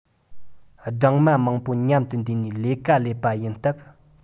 སྦྲང མ མང པོ མཉམ དུ འདུས ནས ལས ཀ ལས པ ཡིན སྟབས